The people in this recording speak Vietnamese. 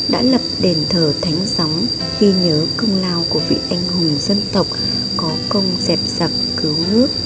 đã lập đền thờ thánh gióng ghi nhớ công lao của vị anh hùng dân tộc có công dẹp giặc cứu nước